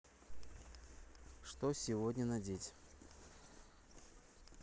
что сегодня надеть